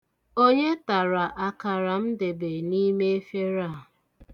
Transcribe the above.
Onye tara akara m debe n'ime efere a?